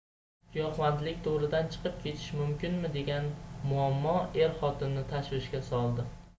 giyohvandlik to'ridan chiqib ketish mumkinmi degan muammo er xotinni tashvishga soldi